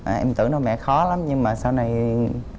à em tưởng đâu mẹ khó lắm nhưng mà sau này